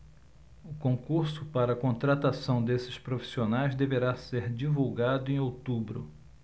o concurso para contratação desses profissionais deverá ser divulgado em outubro